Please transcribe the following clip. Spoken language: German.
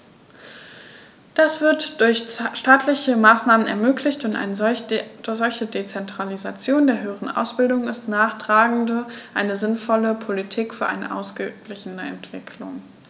Das wird durch staatliche Maßnahmen ermöglicht, und eine solche Dezentralisation der höheren Ausbildung ist nachgerade eine sinnvolle Politik für eine ausgeglichene Entwicklung.